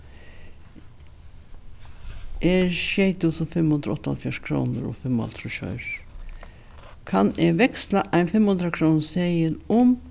er sjey túsund fimm hundrað áttaoghálvfjerðs krónur og fimmoghálvtrýss oyru kann eg veksla ein fimmhundraðkrónuseðil um